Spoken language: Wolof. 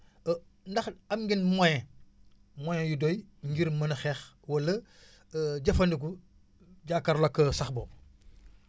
ndax am ngeen moyens moyens yu doy ngir mën a xeex wala jëfandiku jàkkaarloo ak sax boobu